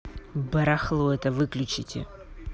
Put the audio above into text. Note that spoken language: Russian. барахло это выключите